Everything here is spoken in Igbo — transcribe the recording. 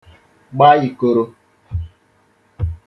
gba ikoro